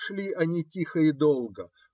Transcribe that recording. шли они тихо и долго